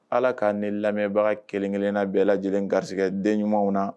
Ala k'an ni lamɛnbaga kelenkelenna bɛɛ lajɛlen garisɛgɛ den ɲumanw na